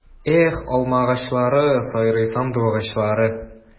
Эх, алмагачлары, сайрый сандугачлары!